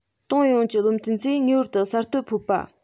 ཏང ཡོངས ཀྱི བློ མཐུན ཚོས ངེས པར དུ གསར གཏོད ཕོད པ